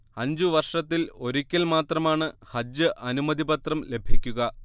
അഞ്ചു വർഷത്തിൽ ഒരിക്കൽ മാത്രമാണ് ഹജ്ജ് അനുമതി പത്രം ലഭിക്കുക